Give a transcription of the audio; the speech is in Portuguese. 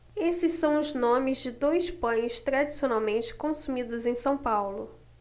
esses são os nomes de dois pães tradicionalmente consumidos em são paulo